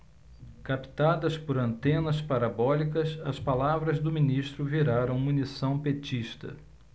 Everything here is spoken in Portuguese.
captadas por antenas parabólicas as palavras do ministro viraram munição petista